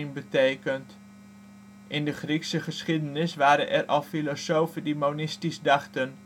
betekent. In de Griekse geschiedenis waren er al filosofen die monistisch dachten